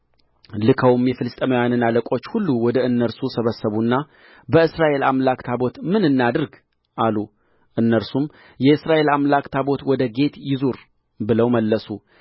ልከውም የፍልስጥኤማውያንን አለቆች ሁሉ ወደ እነርሱ ሰበሰቡና በእስራኤል አምላክ ታቦት ምን እናድርግ አሉ እነርሱም የእስራኤል አምላክ ታቦት ወደ ጌት ይዙር ብለው መለሱ